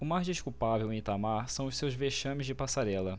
o mais desculpável em itamar são os seus vexames de passarela